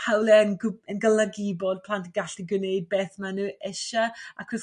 hawliau'n gw- yn golygu bod plant yn gallu gwneud beth maen n'w isie ac wrth